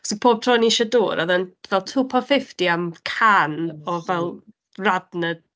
So pob tro oedd ni isio dŵr, oedd e'n fel two pound fifty am can... ...o fel, Radnor.